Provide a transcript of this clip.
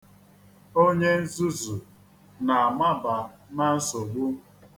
Onye nzuzu na-amaba na nsogbu.